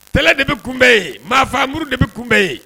Kɛlɛ de bɛ kunbɛnye marifa faamuru de bɛ kunbɛnye